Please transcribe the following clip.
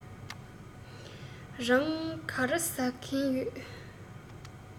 རང ག རེ ཟ གིན ཡོད